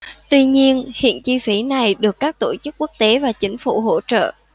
tuy nhiên hiện chi phí này được các tổ chức quốc tế và chính phủ hỗ trợ